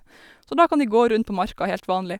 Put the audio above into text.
Så da kan de gå rundt på marka helt vanlig.